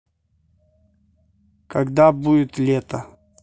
когда будет лето